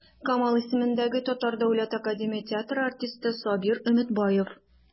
Камал исемендәге Татар дәүләт академия театры артисты Сабир Өметбаев.